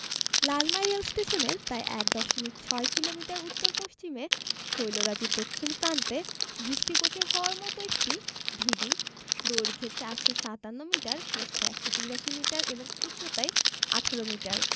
লালমাই রেলস্টেশনের প্রায় ১ দশমিক ৬ কিলোমিটার উত্তর পশ্চিমে শৈলরাজির দক্ষিণ প্রান্তে দৃষ্টিগোচর হওয়ার মতো একটি ঢিবি দৈর্ঘ্যে ৪৫৭ মিটার প্রস্থে ১৮৩ মিটার এবং উচ্চতায় ১৮ মিটার